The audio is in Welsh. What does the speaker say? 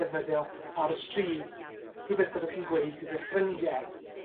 defnyddio ar y stryd, rhywbeth byddwch chi'n gweud gyda'ch ffrindie.